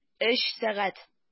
Өч сәгать!